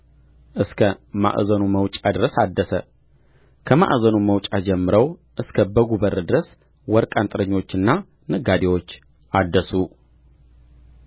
እስከ ማዕዘኑ መውጫ ድረስ አደሰ ከማዕዘኑም መውጫ ጀምረው እስከ በጉ በር ድረስ ወርቅ አንጥረኞችና ነጋዴዎች አደሱ